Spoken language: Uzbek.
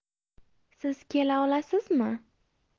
siz kelaolasizmi